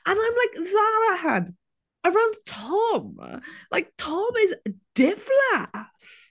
And I'm like "Zara hun around Tom?" Like Tom is diflas.